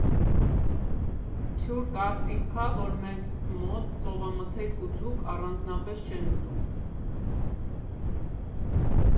Թյուր կարծիք կա, որ մեզ մոտ ծովամթերք ու ձուկ առանձնապես չեն ուտում։